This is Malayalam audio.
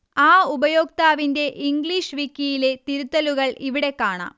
ആ ഉപയോക്താവിന്റെ ഇംഗ്ലീഷ് വിക്കിയിലെ തിരുത്തലുകൾ ഇവിടെ കാണാം